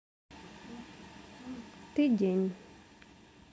ты день